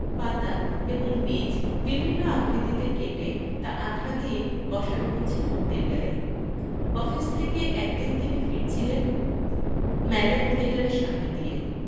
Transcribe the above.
পাতা এবং বীজ বিভিন্ন আকৃতিতে কেটে তা আঠা দিয়ে বসানো হচ্ছে মূর্তীর গায়ে অফিস থেকে এক দিন তিনি ফিরছিলেন ম্যাডান থিয়েটারের সামনে দিয়ে